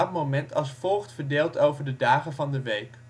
moment als volgt verdeeld over de dagen van de week